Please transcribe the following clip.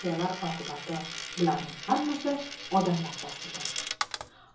bularning hammasi odamlar dastidan